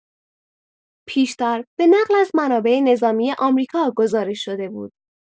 پیشتر به نقل از منابع نظامی آمریکا گزارش‌شده بود.